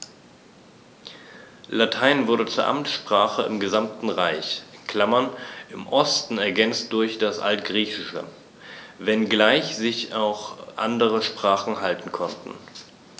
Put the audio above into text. Latein wurde zur Amtssprache im gesamten Reich (im Osten ergänzt durch das Altgriechische), wenngleich sich auch andere Sprachen halten konnten.